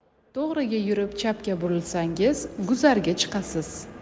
to'g'riga yurib chapga burilsang'iz guzarga chiqasiz